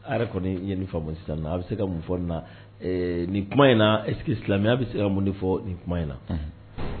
A yɛrɛ kɔni ye fa bon sisan a bɛ se ka mun fɔ nin na nin kuma in na eski silamɛ a bɛ se ka mun nin fɔ nin kuma in na